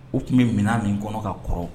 O tun bɛ minɛn min kɔnɔ ka kɔrɔ